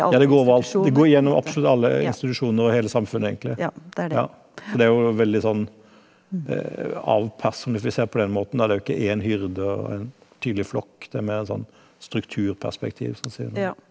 ja det går over alt det går gjennom absolutt alle institusjoner og hele samfunnet egentlig ja så det er jo veldig sånn avpersonifisert på den måten da, det er jo ikke én hyrde og en tydelig flokk, det er mer en sånn strukturperspektiv sånn .